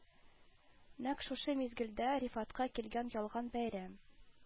Нәкъ шушы мизгелдә Рифатка килгән ялган бәйрәм